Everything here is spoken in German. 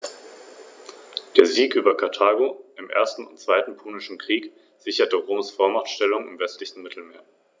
Grundfarbe des Gefieders ist ein einheitliches dunkles Braun.